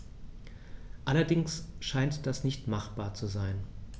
Allerdings scheint das nicht machbar zu sein.